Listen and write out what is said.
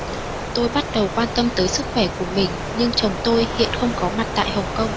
tôi bắt đầu quan tâm tới sức khỏe của mình nhưng chồng tôi hiện không có mặt tại hồng kông